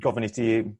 gofyn i ti